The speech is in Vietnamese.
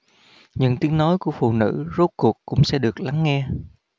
những tiếng nói của phụ nữ rốt cuộc cũng sẽ được lắng nghe